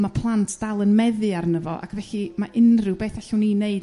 ma' plant dal yn meddu arno fo ac felly ma' unrhyw beth allwn i wneud